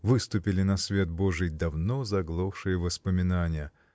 выступили на свет божий давно заглохшие воспоминания.